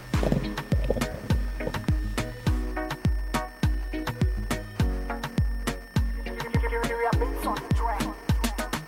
Wa yo